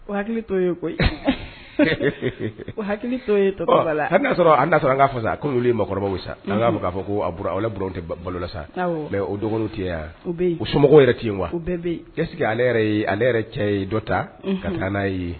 Ko to ye a'a sɔrɔ an' sɔrɔ k'a a ko'olu mɔgɔkɔrɔba sa'a'a fɔ ko ala buran tɛ balola sa mɛ o dɔgɔnin tɛ o somɔgɔw yɛrɛ ten yen waseke ale ale yɛrɛ cɛ ye dɔ ta ka taa n'a ye